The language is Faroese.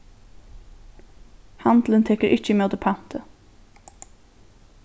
handilin tekur ikki ímóti panti